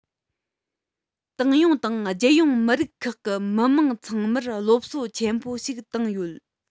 ཏང ཡོངས དང རྒྱལ ཡོངས མི རིགས ཁག གི མི དམངས ཚང མར སློབ གསོ ཆེན པོ ཞིག བཏང ཡོད